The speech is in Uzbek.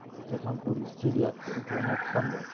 hozir ham ko'rgisi kelyapti imkoniyati ham bor